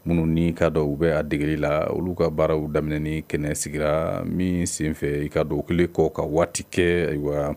Minnu ni ka dɔ, u bɛ a degelila, olu ka baaraw daminɛ kɛnɛ sigira min sen fɛ, i ka dɔn u kɛlen kɔ ka waati kɛ